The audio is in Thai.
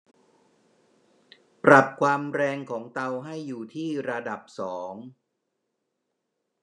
ปรับความแรงของเตาให้อยู่ที่ระดับสอง